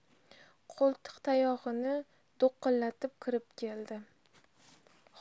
qo'ltiqtayog'ini do'qillatib kirib keldi